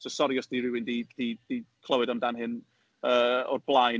So sori os 'di rywun 'di 'di 'di clywed amdan hyn, yy, o'r blaen.